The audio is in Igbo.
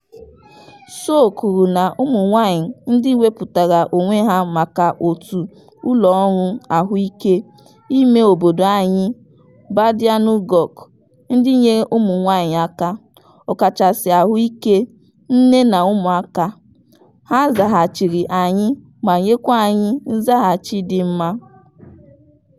Sow kwuru na, "Ụmụnwaanyị ndị wepụtara onwe ha maka òtù ụlọọrụ ahụike imeobodo anyị ["Badianou Guokh"] ndị nyere ụmụnwaanyị aka, ọkachasị ahụike nne na ụmụaka...ha zaghachiri anyị ma nyekwa anyị nzaghachi dị mma.